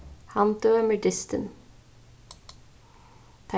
hann dømir dystin